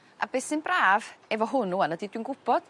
A beth sy'n braf efo hwn ŵan ydi dwi'n gwbod